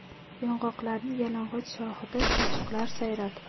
yong'oqlarning yalang'och shoxida chum chuqlar sayradi